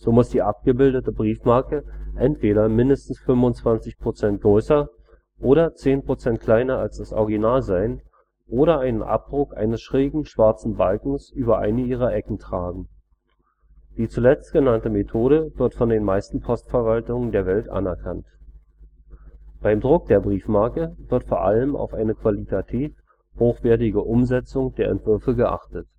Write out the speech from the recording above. muss die abgebildete Briefmarke entweder mindestens 25 % größer oder 10 % kleiner als das Original sein oder einen Abdruck eines schrägen schwarzen Balkens über eine ihrer Ecken tragen. Die zuletzt genannte Methode wird von den meisten Postverwaltungen der Welt anerkannt. Beim Druck der Briefmarke wird vor allem auf eine qualitativ hochwertige Umsetzung der Entwürfe geachtet